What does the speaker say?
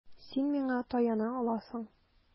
Син миңа таяна аласың.